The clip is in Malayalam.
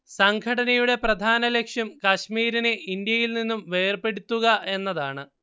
സംഘടനയുടെ പ്രധാനലക്ഷ്യം കാശ്മീരിനെ ഇന്ത്യയിൽ നിന്നും വേർപെടുത്തുക എന്നതാണ്